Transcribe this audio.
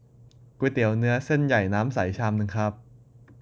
ก๋วยเตี๋ยวเนื้อเส้นใหญ่น้ำใสชามนึงครับ